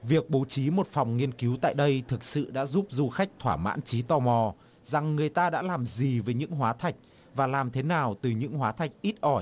việc bố trí một phòng nghiên cứu tại đây thực sự đã giúp du khách thỏa mãn trí tò mò rằng người ta đã làm gì với những hóa thạch và làm thế nào từ những hóa thạch ít ỏi